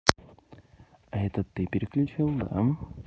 а это ты переключил да